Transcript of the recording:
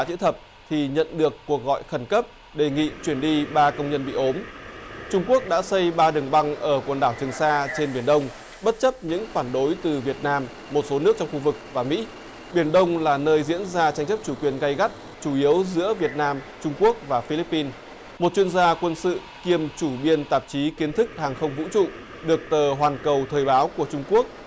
đá chữ thập thì nhận được cuộc gọi khẩn cấp đề nghị chuyển đi ba công nhân bị ốm trung quốc đã xây ba đường băng ở quần đảo trường sa trên biển đông bất chấp những phản đối từ việt nam một số nước trong khu vực và mỹ biển đông là nơi diễn ra tranh chấp chủ quyền gay gắt chủ yếu giữa việt nam trung quốc và phi líp pin một chuyên gia quân sự kiêm chủ biên tạp chí kiến thức hàng không vũ trụ được tờ hoàn cầu thời báo của trung quốc